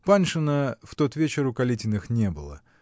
Паншина в тот вечер у Калитиных не было.